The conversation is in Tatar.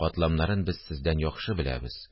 Катламнарын без сездән яхшы беләбез